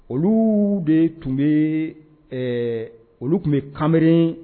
Olu de tun bɛ olu tun bɛ kamalenmeri